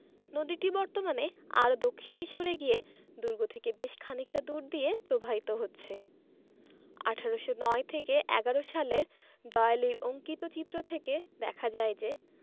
নদীটি বর্তমানে আরও দক্ষিণে সরে গিয়ে দুর্গ থেকে বেশ খানিকটা দূর দিয়ে প্রবাহিত হচ্ছে ১৮০৯ ১১ সালের ডয়েলীর অঙ্কিত চিত্র থেকে দেখা যায় যে